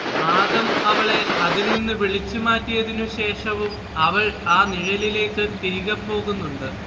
ആദം അവളെ അതിൽ നിന്നു വിളിച്ചു മാറ്റിയതിനു ശേഷവും അവൾ ആ നിഴലിലേയ്ക്ക് തിരികേ പോകുന്നുണ്ട്